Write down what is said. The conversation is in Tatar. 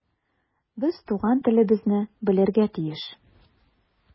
Без туган телебезне белергә тиеш.